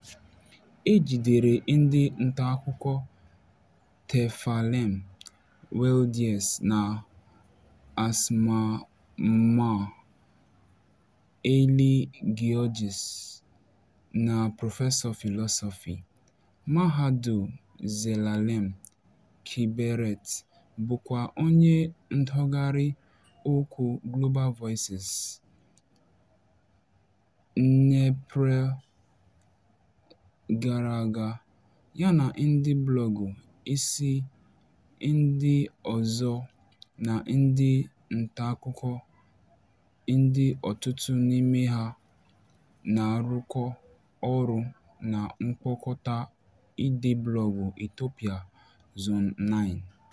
E jidere ndị ntaakụkọ Tesfalem Waldyes na Asmamaw Hailegiorgis na prọfesọ fịlọsọfị mahadum Zelalem Kiberet, bụkwa onye ntụgharị okwu Global Voices, n'Eprel gara aga yana ndị blọọgụ isii ndị ọzọ na ndị ntaakụkọ, ndị ọtụtụ n'ime ha na-arụkọ ọrụ na mkpokọta ide blọọgụ Etiopia Zone9.